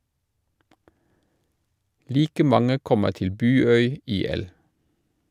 Like mange kommer til Buøy IL.